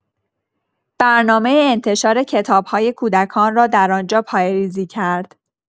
برنامه انتشار کتاب‌های کودکان را در آنجا پایه‌ریزی کرد.